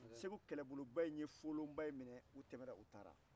segu kɛlɛboloba in ye folonaba in minɛ u tɛmɛna u taara